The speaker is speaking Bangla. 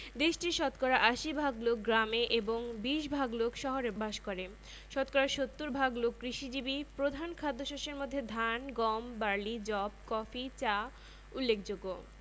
তবে জনগণের জীবনযাত্রার মান অর্থনৈতিক অবস্থা ভৌগলিক ও জলবায়ুগত বৈশিষ্ট্য এবং ইতিহাস ও সংস্কৃতির দিক থেকে এশিয়ার দেশগুলোর মধ্যে অনেক মিল রয়েছে